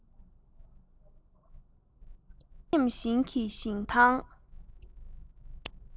སྐེས ཐེམ བཞིན གྱི ཞིང ཐང